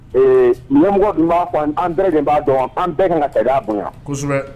Ee yɛmɔgɔ dun b'a fɔ an bɛɛ lajɛlen dun b'a dɔn an bɛɛ ka kan ka sariya bonya kosɛbɛ.